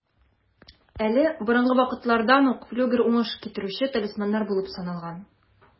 Әле борынгы вакытлардан ук флюгер уңыш китерүче талисманнар булып саналган.